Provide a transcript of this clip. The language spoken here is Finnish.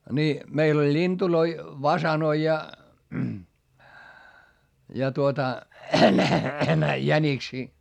niin meillä oli lintuja fasaaneja ja ja tuota jäniksiä